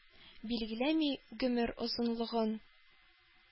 Билгеләми гомер озынлыгын